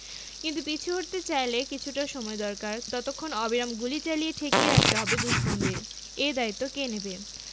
কিন্তু পিছু হটতে চাইলেও কিছুটা সময় দরকার ততক্ষণ অবিরাম গুলি চালিয়ে ঠেকিয়ে রাখতে হবে দুশমনদের এ দায়িত্ব কে নেবে